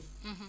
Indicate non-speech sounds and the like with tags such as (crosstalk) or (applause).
(hesitation) (hesitation)